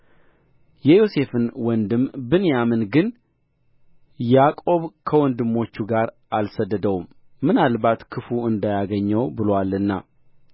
የዮሴፍን ወንድም ብንያምን ግን ያዕቆብ ከወንድሞቹ ጋር አልሰደደውም ምናልባት ክፉ እንዳያገኘው ብሎአልና